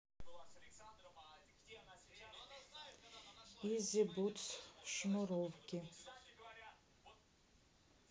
изи бутс шнуровки